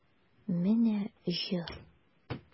Менә җор!